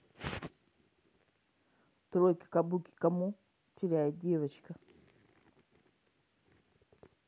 тройка кабуки кому теряет девочка